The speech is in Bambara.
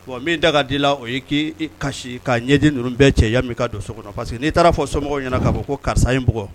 Bon min da ka di la o y'i k'i kasi ka ɲɛji ninnu bɛɛ cɛ, yani i ka don so kɔnɔ parce que n'i taara fɔ somɔgɔw ɲɛna ko karisa ye bugɔ